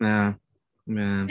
Na na.